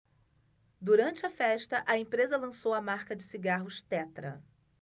durante a festa a empresa lançou a marca de cigarros tetra